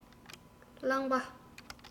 རླངས པ